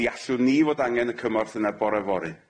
Mi allwn ni fod angen y cymorth yna bore fory.